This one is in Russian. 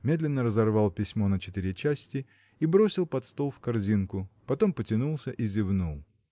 медленно разорвал письмо на четыре части и бросил под стол в корзинку потом потянулся и зевнул.